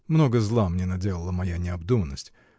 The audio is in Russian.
Много зла мне наделала моя необдуманность.